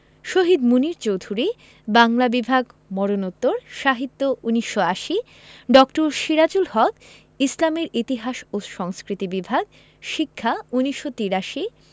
শহীদ মুনীর চৌধুরী বাংলা বিভাগ মরণোত্তর সাহিত্য ১৯৮০ ড. সিরাজুল হক ইসলামের ইতিহাস ও সংস্কৃতি বিভাগ শিক্ষা ১৯৮৩